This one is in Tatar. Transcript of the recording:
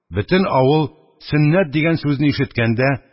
Бөтен авыл, «сөннәт» дигән сүзне ишеткәндә,